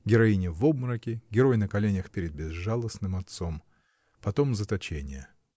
Героиня в обмороке, герой на коленях перед безжалостным отцом. Потом заточение.